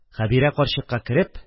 Хәбирә карчыкка кереп: